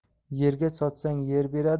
yerga sochsang yer